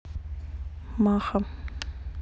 маха